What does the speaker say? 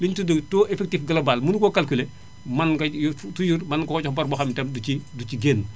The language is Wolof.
li ñu tuddee taux effectif global mënu ko calculé man nga toujours mën nga ko jox bor boo xam ne du ci génn